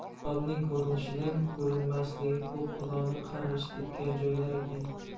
oftobning ko'rinishidan ko'rinmasligi ko'p xudoning qarg'ishi tekkan joylar ekan